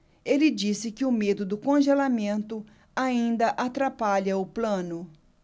ele disse que o medo do congelamento ainda atrapalha o plano